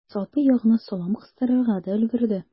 Салпы ягына салам кыстырырга да өлгерде.